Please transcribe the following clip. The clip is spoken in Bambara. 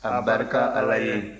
abarika ala ye